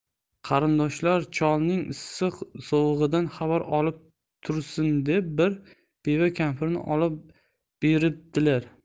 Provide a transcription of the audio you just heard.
qarindoshlar cholning issiq sovug'idan xabar olib tursin deb bir beva kampirni olib beribdilar